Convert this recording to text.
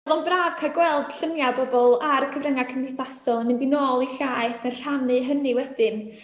Oedd o'n braf cael gweld lluniau o bobl ar y cyfryngau cymdeithasol yn mynd i nôl eu llaeth, a rhannu hynny wedyn.